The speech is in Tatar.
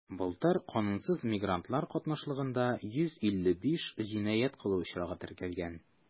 Былтыр канунсыз мигрантлар катнашлыгында 155 җинаять кылу очрагы теркәлгән.